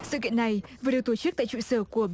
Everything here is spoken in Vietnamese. sự kiện này vừa được tổ chức tại trụ sở của